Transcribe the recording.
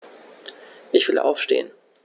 Ich will aufstehen.